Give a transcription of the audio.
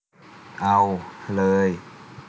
เอาเลย